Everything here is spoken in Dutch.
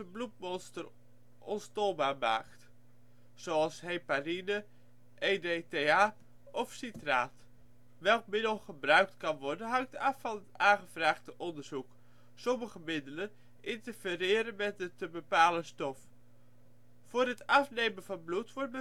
bloedmonster onstolbaar maakt, zoals heparine, EDTA of citraat. Welk middel gebruikt kan worden hangt af van het aangevraagde onderzoek, sommige middelen interfereren met de te bepalen stof. Voor het afnemen van bloed wordt